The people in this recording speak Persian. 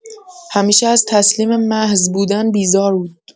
همیشه از تسلیم محض بودن بیزار بود.